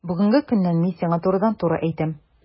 Бүгенге көннән мин сиңа турыдан-туры әйтәм: